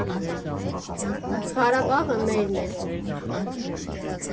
Ղարաբաղը մերն է։